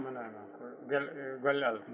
wona e ma ko ko golle Allah